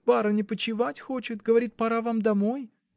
Барыня почивать хочет, говорит, пора вам домой.